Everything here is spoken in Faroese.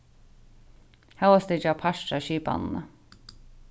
hóast tey gerast partur av skipanini